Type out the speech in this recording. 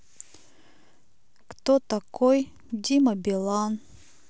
кто такой дима билан